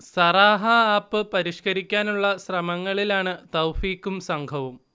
Sarahah app പരിഷ്കരിക്കാനുള്ള ശ്രമങ്ങളിലാണ് തൗഫീഖും സംഘവും